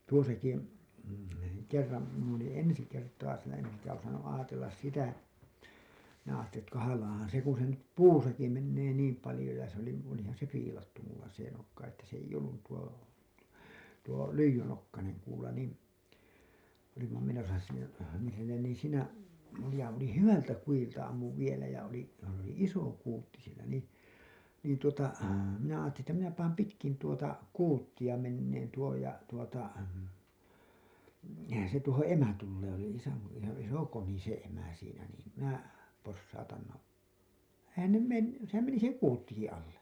tuossakin kerran minä olin ensi kertaa siinä - enkä osannut ajatella sitä minä ajattelin että kahlaahan se kun se nyt puussakin menee niin paljon ja se oli olihan se viilattu minulla se nokka että se ei ollut tuo tuo lyijynokkainen kuula niin olimme menossa siinä niin sinne niin siinä ja oli hyvältä kudilta ammuin vielä ja oli se oli iso kuutti siellä niin niin tuota minä ajattelin että minä panen pitkin tuota kuuttia menemään tuon ja tuota se tuohon emä tulee oli isä iso iso koni se emä siinä niin minä posautan no eihän ne - sehän meni se kuuttikin alle